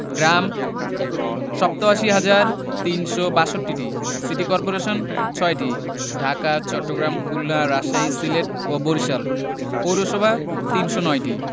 গ্রাম ৮৭হাজার ৩৬২টি city corporation ৬টি ঢাকা চট্টগ্রাম খুলনা রাজশাহী সিলেট ও বরিশাল পৌরসভা ৩০৯টি